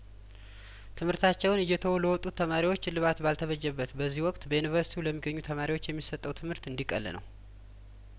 ትምህርታቸውን እየተዉ ለወጡት ተማሪዎች እልባትባል ተበጀለት በዚህ ወቅት በዩኒቨርስቲው ለሚገኙ ተማሪዎች የሚሰጠው ትምህርት እንዲቀል ነው